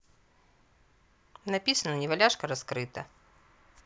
написано неваляшка раскрыта